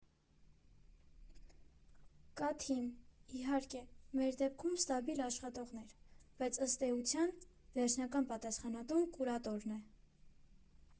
Կա թիմ, իհարկե, մեր դեպքում ստաբիլ աշխատողներ, բայց ըստ էության, վերջնական պատասխանատուն կուրատորն է։